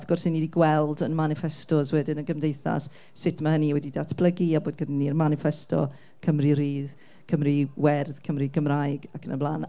Wrth gwrs, 'y ni 'di gweld yn maniffestos wedyn y gymdeithas sut ma' hynny wedi datblygu, a bod gyda ni'r maniffesto Cymru Rydd, Cymru Werdd, Cymru Gymraeg ac yn y blaen,